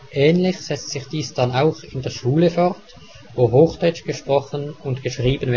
Ähnlich setzt sich dies dann auch in der Schule fort, wo Hochdeutsch gesprochen und geschrieben